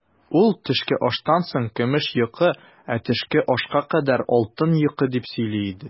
Ул, төшке аштан соң көмеш йокы, ә төшке ашка кадәр алтын йокы, дип сөйли иде.